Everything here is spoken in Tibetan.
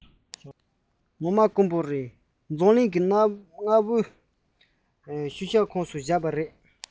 དངོས འབྲེལ དཀོན པོ ཡིན གྱི རེད བྱས ཙང འཛམ གླིང གི གནའ བོའི ཤུལ བཞག ཁོངས སུ བཞག པ རེད